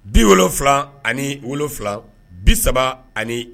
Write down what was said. Bi wolo wolonwula ani wolo wolonwula bi saba ani